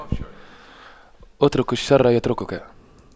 اترك الشر يتركك